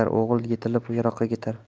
o'g'il yetilib yiroqqa ketar